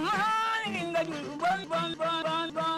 Maa yginɛ tɛ